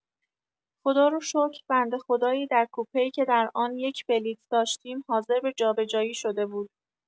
خداروشکر بنده خدایی در کوپه‌ای که در آن یک بلیت داشتیم حاضر به جابجایی شده بود.